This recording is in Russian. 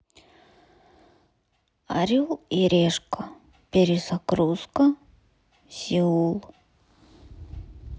орел и решка перезагрузка сеул